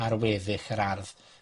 ar weddill yr ardd.